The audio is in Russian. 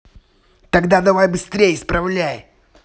тогда давай быстрей исправляй